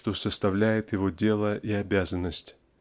что составляет его дело и обязанность